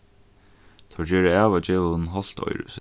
teir gera av at geva honum hálvt oyra í silvuri